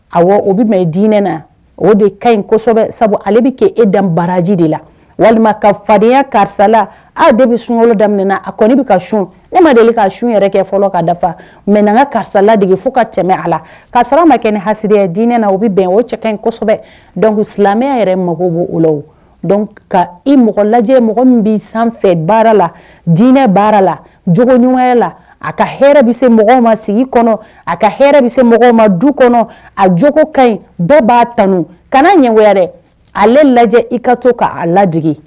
A o bɛ mɛ dinɛ na o de ka ɲi kosɛbɛ sabu ale bɛ kɛ e dan baraji de la walima ka fadenyaya karisala a de bɛ sunlo damin na a kɔni ne bɛ ka sun ne ma deli ka sun yɛrɛ kɛ fɔlɔ ka dafa mɛ n ka karisala degege fo ka tɛmɛ a la kaa sɔrɔ ma kɛ haya dinɛ na o bɛ bɛn o cɛ in kosɛbɛ don silamɛ yɛrɛ mako b' o la ka i mɔgɔ lajɛ mɔgɔ min bɛ sanfɛ baara la dinɛ baara la jɲumanya la a ka h bɛ se mɔgɔw ma sigi kɔnɔ a ka hɛrɛ bɛ se mɔgɔ ma du kɔnɔ a joogogo ka ɲi bɛɛ b'a tanun kana ɲɛgo wɛrɛ ale lajɛ i ka to k'a laigi